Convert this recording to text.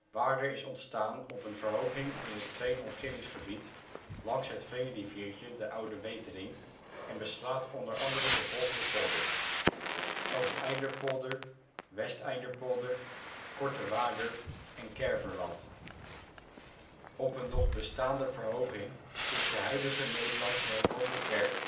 Waarder is ontstaan op een verhoging in het veenontginningsgebied langs het veenriviertje de Oude Wetering en beslaat o.a. de volgende polders: Oosteinderpolder, Westeinderpolder, Korte Waarder en Kerverland. Op een nog bestaande verhoging is de huidige Nederlandse hervormde kerk